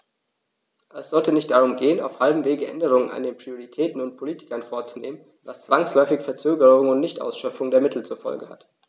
Es sollte nicht darum gehen, auf halbem Wege Änderungen an den Prioritäten und Politiken vorzunehmen, was zwangsläufig Verzögerungen und Nichtausschöpfung der Mittel zur Folge hat.